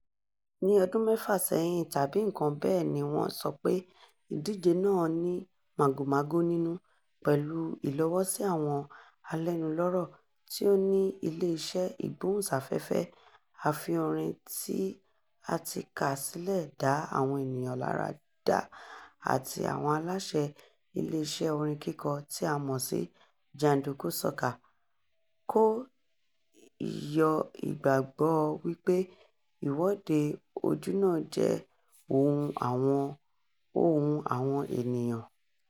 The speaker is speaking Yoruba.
Ní ọdún mẹ́wàá sẹ́yìn tàbí nnkan bẹ́ẹ̀ ni wọ́n sọ pé ìdíje náà ní màgòmágó nínú — pẹ̀lu ìlọ́wọ́sí àwọn alẹ́nulọ́rọ̀ tí ó ni ilé iṣẹ́ ìgbóhùnsáfẹ́fẹ́, afiorin-tí-a-ti-ká-sílẹ̀ dá àwọn ènìyàn lára dá àti àwọn aláṣẹ ilé iṣẹ́ orin kíkọ tí a mọ̀ sí “jàndùkú soca” — kò ì yọ́ ìgbàgbọ́ wípé Ìwọ́de Ojúnà jẹ́ ohun àwọn ènìyàn.